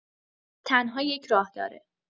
تنها یک راه داره